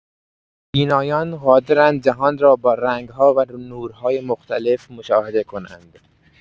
بینایان قادرند جهان را با رنگ‌ها و نورهای مختلف مشاهده کنند.